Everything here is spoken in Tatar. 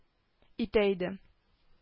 Итә иде